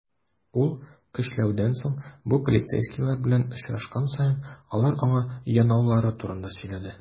Ул, көчләүдән соң, бу полицейскийлар белән очрашкан саен, алар аңа янаулары турында сөйләде.